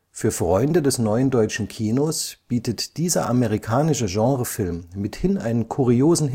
Für Freunde des neuen deutschen Kinos bietet dieser amerikanische Genrefilm mithin einen kuriosen